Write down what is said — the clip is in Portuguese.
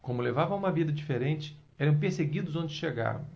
como levavam uma vida diferente eram perseguidos onde chegavam